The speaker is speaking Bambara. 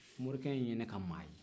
morikɛ in ye ne ka maa ye